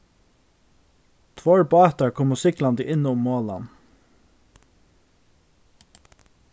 tveir bátar komu siglandi inn um molan